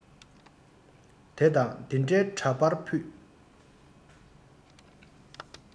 དེ དང དེ འདྲ བའི འདྲ པར ཕུད